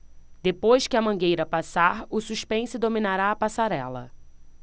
depois que a mangueira passar o suspense dominará a passarela